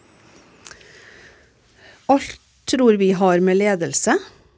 alt tror vi har med ledelse.